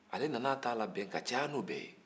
ale nan'a ta labɛn ka caya n'o bɛɛ ye